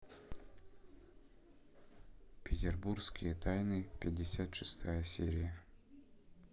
петербургские тайны пятьдесят шестая серия